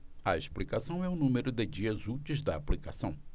a explicação é o número de dias úteis da aplicação